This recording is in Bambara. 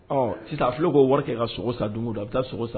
Ɔ sisan fula k'o wari kɛ ka sogo san don don a bɛ taa sogo san